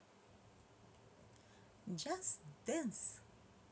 just dance